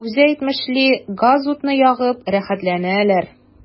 Үзе әйтмешли, газ-утны ягып “рәхәтләнәләр”.